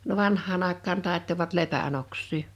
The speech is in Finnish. no vanhaan aikaan taittoivat lepän oksia